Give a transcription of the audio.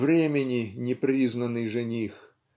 Времени непризнанный жених